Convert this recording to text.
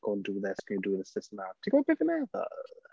*Go and do this, can you do this this and that. Ti'n gwybod be fi'n meddwl?